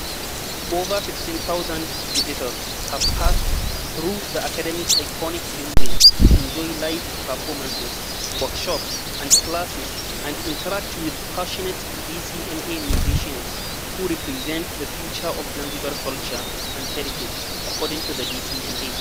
Over 15,000 visitors have passed through the academy’s iconic building to enjoy live performances, workshops and classes and interact with passionate DCMA musicians who represent the future of Zanzibar culture and heritage, according to the DCMA.